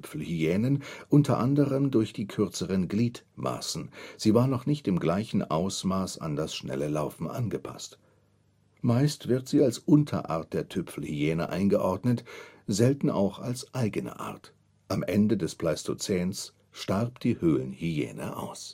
Tüpfehyänen unter anderem durch die kürzeren Gliedmaßen, sie war noch nicht im gleichen Ausmaß an das schnelle Laufen angepasst. Meist wird sie als Unterart der Tüpfelhyäne eingeordnet, selten auch als eigene Art. Am Ende des Pleistozäns starb die Höhlenhyäne aus